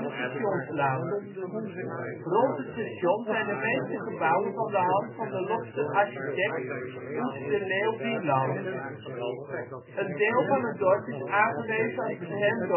Stationslaan. Rond het station zijn de meeste gebouwen van de hand van de Lopster architect Oeds de Leeuw Wieland (1839-1919). Een deel van het dorp is aangewezen als beschermd